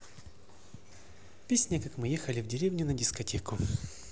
песня как мы ехали в деревню на дискотеку